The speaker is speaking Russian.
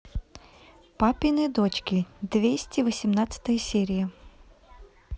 папины дочки двести восемнадцатая серия